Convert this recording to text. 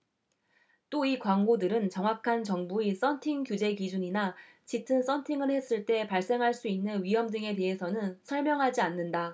또 이 광고들은 정확한 정부의 선팅 규제 기준이나 짙은 선팅을 했을 때 발생할 수 있는 위험 등에 대해서는 설명하지 않는다